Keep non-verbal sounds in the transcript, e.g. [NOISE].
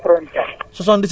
[HESITATION]